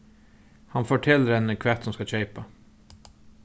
hann fortelur henni hvat hon skal keypa